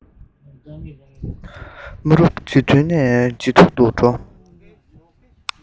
སྨག རུམ ཇེ མཐུག ནས ཇེ མཐུག ཏུ འགྲོ